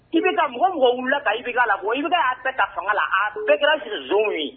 IBK mɔgɔ mɔgɔ wulila ka IBK labɔ , IBK ya bɛɛ ta fanga la . A bɛɛ kɛra nsonw ye.